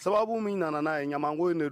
Sababu min nana a ye ɲamamango in de don